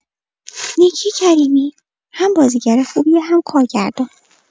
نیکی کریمی هم بازیگر خوبیه هم کارگردان.